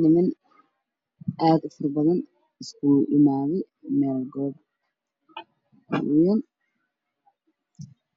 Niman aad u tiro badan iskugu imaaday meel goob ah